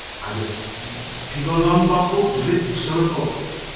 a jyst pigo lan bach o dricks ar y ffordd.